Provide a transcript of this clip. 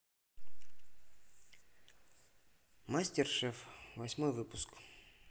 мастер шеф восьмой выпуск